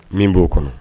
Min b'o kɔnɔ